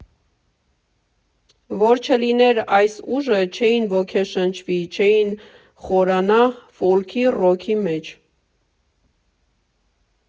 Որ չլիներ այս ուժը, չէին ոգեշնչվի, չէին խորանա ֆոլքի, ռոքի մեջ։